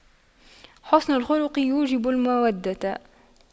حُسْنُ الخلق يوجب المودة